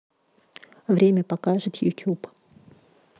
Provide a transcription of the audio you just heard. время покажет ютуб